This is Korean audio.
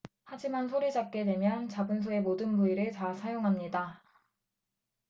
하지만 소를 잡게 되면 잡은 소의 모든 부위를 다 사용합니다